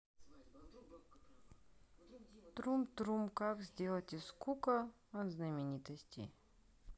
трум трум как сделать из скука от знаменитостей